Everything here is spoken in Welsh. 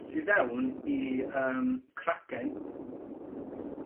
tu fewn i yym cragen